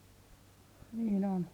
niin on